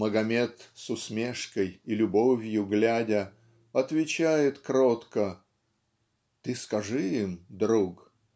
Магомет, с усмешкой и любовью глядя, Отвечает кротко "Ты скажи им, друг